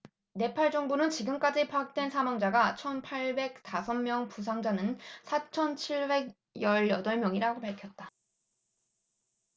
네팔 정부는 지금까지 파악된 사망자가 천 팔백 다섯 명 부상자는 사천 칠백 열 여덟 명이라고 밝혔다